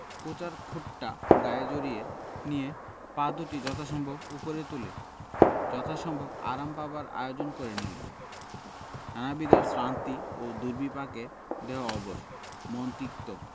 কোঁচার খুঁটটা গায়ে জড়িয়ে নিয়ে পা দুটি যথাসম্ভব উপরে তুলে যথাসম্ভব আরাম পাবার আয়োজন করে নিলেন নানাবিধ শ্রান্তি ও দুর্বিপাকে দেহ অবশ মন তিক্ত